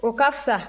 o ka fisa